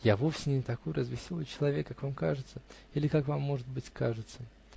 Я вовсе не такой развеселый человек, как вам кажется или как вам, может быть, кажется